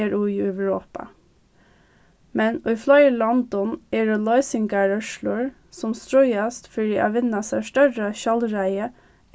eru í europa men í fleiri londum eru loysingarrørslur sum stríðast fyri at vinna sær størri sjálvræði